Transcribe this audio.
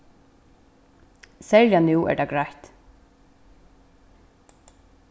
serliga nú tað er greitt